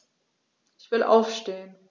Ich will aufstehen.